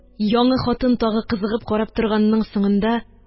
Яңы хатын, тагы кызыгып карап торганның соңында: